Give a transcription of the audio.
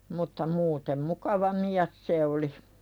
mutta muuten mukava mies se oli